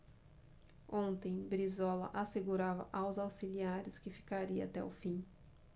ontem brizola assegurava aos auxiliares que ficaria até o fim